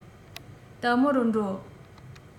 དལ མོར འགྲོ